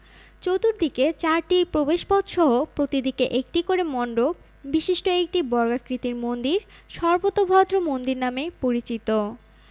চতুর্দিকে চারটি প্রবেশপথসহ প্রতিদিকে একটি করে মন্ডপ বিশিষ্ট একটি বর্গাকৃতির মন্দির সর্বোতভদ্র মন্দির নামে পরিচিত